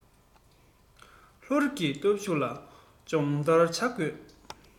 བློ རི གི སྟོབས ཤུགས ལ སྦྱོང བརྡར བྱ དགོས